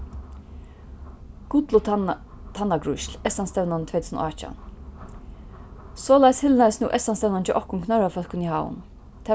gull og tanna tannagrísl eystanstevnan tvey túsund og átjan soleiðis hilnaðist nú eystanstevnan hjá okkum knørrafólkum í havn